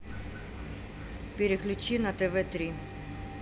переключи на тв три